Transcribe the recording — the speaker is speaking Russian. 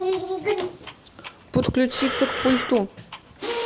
подключиться к пульту